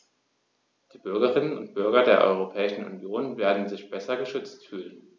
Die Bürgerinnen und Bürger der Europäischen Union werden sich besser geschützt fühlen.